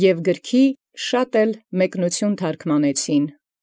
Եւ շատ ևս մեկնութիւն գրոց թարգմանէին։